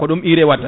ko ɗum urée watta